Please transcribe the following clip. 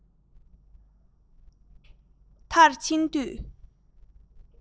མཐར ཕྱིན དུས